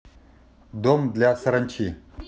дом для саранчи